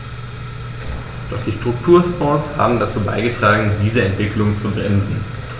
Doch die Strukturfonds haben dazu beigetragen, diese Entwicklung zu bremsen.